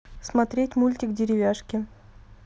смотреть мультик деревяшки